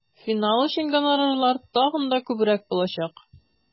Финал өчен гонорарлар тагын да күбрәк булачак.